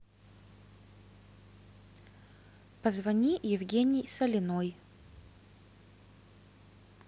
позвони евгений соленой